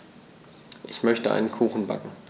Ich möchte einen Kuchen backen.